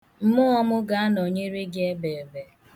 Mmụọ mụ ga-anọnyere gị ebeebe.